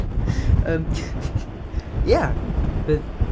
Yym, ie. Fydd...